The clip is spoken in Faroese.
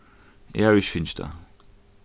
eg havi ikki fingið tað